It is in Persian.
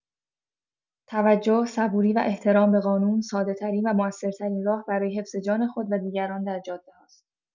توجه، صبوری و احترام به قانون، ساده‌‌ترین و موثرترین راه برای حفظ جان خود و دیگران در جاده‌هاست.